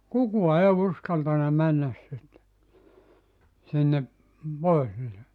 kukaan ei uskaltanut mennä sinne sinne pohjille